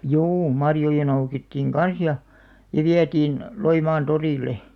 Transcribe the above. juu marjoja noukittiin kanssa ja ja vietiin Loimaan torille